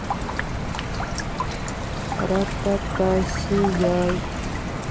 ратата сияй